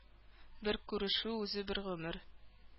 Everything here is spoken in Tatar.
Бер күрешү үзе бер гомер.